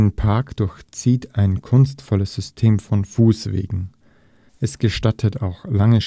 Park durchzieht ein kunstvolles System von Fußwegen. Es gestattet auch lange